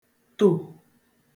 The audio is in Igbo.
tò